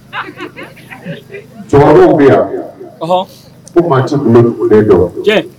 , Cɛkɔrɔbaw bɛ yan Ɔhɔ u maa cɛ tun bɛ bɔlen dɔn.